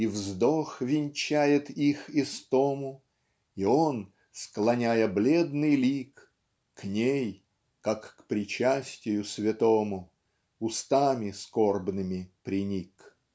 И вздох венчает их истому И он склоняя бледный лик К ней как к причастию святому Устами скорбными приник.